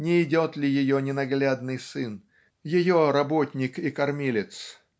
не идет ли ее ненаглядный сын, ее работник и кормилец?.